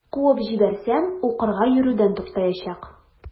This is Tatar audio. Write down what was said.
Куып җибәрсәм, укырга йөрүдән туктаячак.